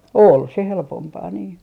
oli se helpompaa niin